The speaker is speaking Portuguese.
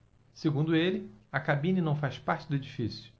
segundo ele a cabine não faz parte do edifício